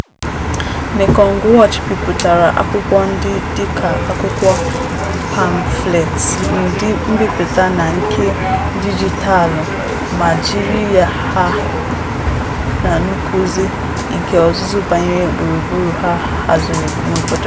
Mekong Watch bipụtara Akụkọ ndịa dịka akwụkwọ pamfleetị n'ụdị mbipụta na nke dijitalụ, ma jiri ha n'nkuzi nke ọzụzụ banyere gburugburu ha haziri n'obodo.